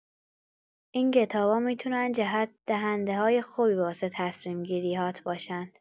این کتابا می‌تونن جهت‌دهنده‌های خوبی واسه تصمیم‌گیری‌هات باشن.